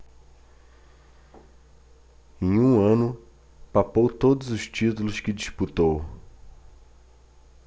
em um ano papou todos os títulos que disputou